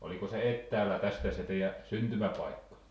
oliko se etäällä tästä se teidän syntymäpaikka